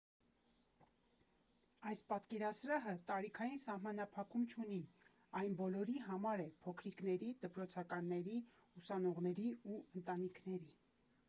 Այս պատկերասրահը տարիքային սահմանափակում չունի, այն բոլորի համար է՝ փոքրիկների, դպրոցականների, ուսանողների ու ընտանիքների։